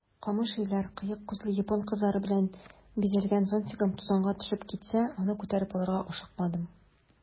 Камыш өйләр, кыек күзле япон кызлары белән бизәлгән зонтигым тузанга төшеп китсә, аны күтәреп алырга ашыкмадым.